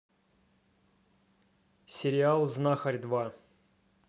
сериал знахарь два